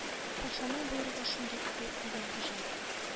— патшаның боерыгы шундый иде,— дигән хуҗа.